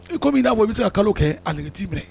I ko min n'a fɔ i bɛ se ka kalo kɛ a ti minɛ